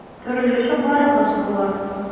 Төрле чакларыгыз булыр.